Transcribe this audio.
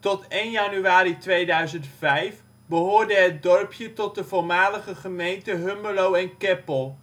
Tot 1 januari 2005 behoorde het dorpje tot de voormalige gemeente Hummelo en Keppel